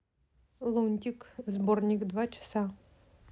лунтик сборник два часа